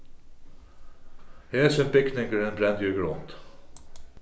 hesin bygningurin brendi í grund